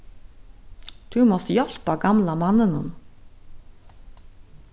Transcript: tú mást hjálpa gamla manninum